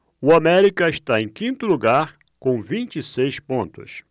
o américa está em quinto lugar com vinte e seis pontos